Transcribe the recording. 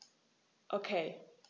Okay.